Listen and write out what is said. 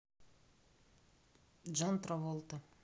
джон траволта